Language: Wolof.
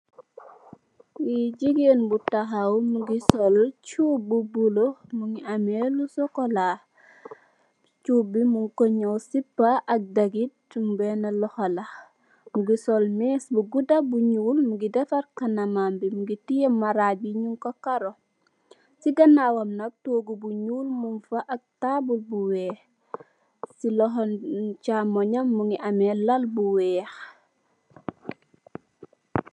Lii jigéen bu taxaw, mu ngi sol cuub bu bulo, mu ngi am sokolaa, cuub bi mung ñaw, daggit,..mu ngi sol méés bu...mu ngi defar, kanamam bi, tiye maraaj bi, ñung ko karo, si ganaawam nak, ñung ko,.. ñuul, taabul bu weex, si loxo chaamoy yam, mu ñgi amee lal bu weex.